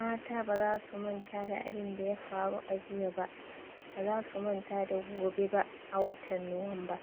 "Mata ba za su manta da abin da ya faru a jiya ba - ba za su manta da gobe ba a watan Nuwamba,"